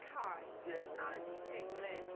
Kai, personality king fan hyn.